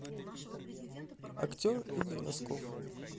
актер игорь носков